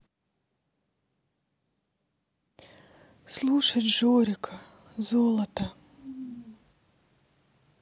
слушать жорика золото